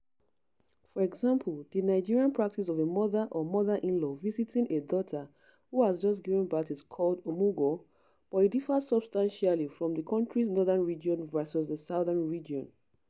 For example, the Nigerian practice of a mother or mother-in-law visiting a daughter who has just given birth is called omugwo, but it differs substantially from the country’s northern region versus the southern region.